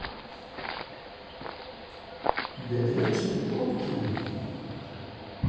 горячие попки